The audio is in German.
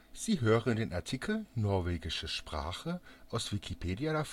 Sie hören den Artikel Norwegische Sprache, aus Wikipedia